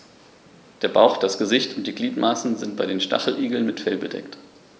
Der Bauch, das Gesicht und die Gliedmaßen sind bei den Stacheligeln mit Fell bedeckt.